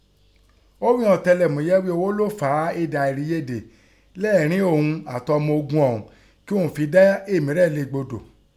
Ó ghi an ighọn ọ̀tẹlẹ̀múyẹ́ ghii oghó lọ́ fa èdè àrìyedè lẹ́ẹ̀ẹ́rín òun àtọmọ ogun ọ̀húnt kí òun fẹ dá èmí rẹ̀ légbodò.